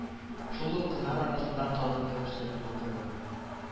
Шул дулкыннар арасында таныдым сөн дулкынын